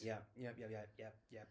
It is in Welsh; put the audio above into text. Ie, iep, ie, iep, ie, iep.